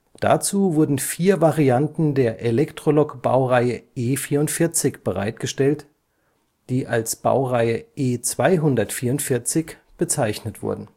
Dazu wurden vier Varianten der Elektrolok-Baureihe E 44 bereitgestellt, die als Baureihe „ E 244 “bezeichnet wurden